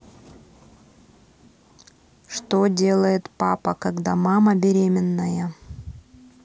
что делает папа когда мама беременная